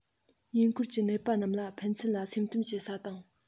ཉེ འཁོར གྱི ནད པ རྣམས ལ ཕན ཚུན ལ སེམས གཏམ བཤད ས དང